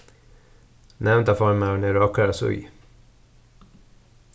nevndarformaðurin er á okkara síðu